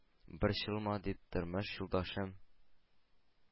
«борчылма, дип, тормыш юлдашым,